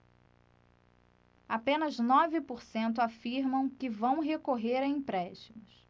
apenas nove por cento afirmam que vão recorrer a empréstimos